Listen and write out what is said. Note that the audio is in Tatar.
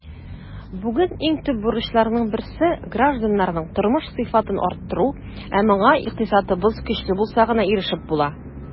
Бүген иң төп бурычларның берсе - гражданнарның тормыш сыйфатын арттыру, ә моңа икътисадыбыз көчле булса гына ирешеп була.